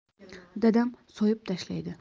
dadam so'yib tashlaydi